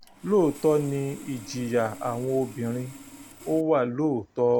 Lóòótọ́ ni ìjìyà àwọn obìnrin, ó wà lóòótọ́.